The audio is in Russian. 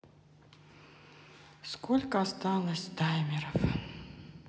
сколько осталось таймеров